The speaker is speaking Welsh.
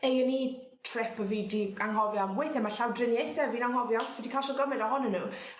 Ay an Ee trip o fi 'di anghofio am weithie ma' llawdriniaethe fi'n anghofio 'chos fi 'di a'l shwd gymain ohonyn n'w